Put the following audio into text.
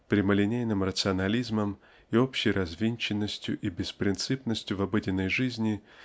прямолинейным рационализмом и общей развинченностью и беспринципностью в обыденной жизни